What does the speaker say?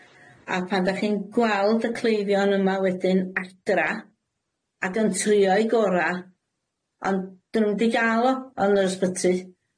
A pan dach chi'n gweld y cleifion yma wedyn adra, ac yn trio'u gora, ond 'dyn nw'm 'di ga'l o yn yr ysbyty.